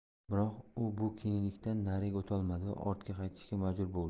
biroq u bu kenglikdan nariga o'tolmadi va ortga qaytishga majbur bo'ldi